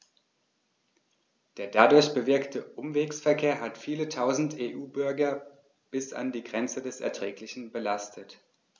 Der dadurch bewirkte Umwegsverkehr hat viele Tausend EU-Bürger bis an die Grenze des Erträglichen belastet.